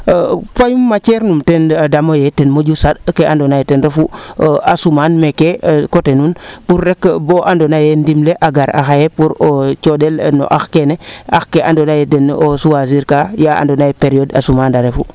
poyum matiere numn teen damo yee ten moƴu sand kee ando naye ten refu a sumaan meeke coté nuun pour rek boo ando naye ndimle a gara xaye pour o coxel no ax keene ax ke ando naye deno choisir kaa yaa ando naye periode a sumaan a refu